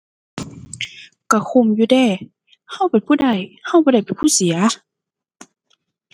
ก็คุ้มอยู่เดะ ก็เป็นผู้ได้ ก็บ่ได้เป็นผู้เสีย